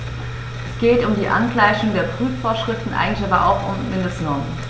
Es geht um die Angleichung der Prüfungsvorschriften, eigentlich aber auch um Mindestnormen.